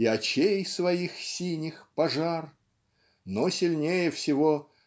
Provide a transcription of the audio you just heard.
и очей своих синих пожар" но сильнее всего